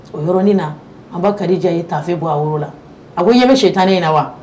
O yɔrɔnin na anba kadija ye taafe bɔ a woro la a ko ɲɛ bɛ se tan ne ye na wa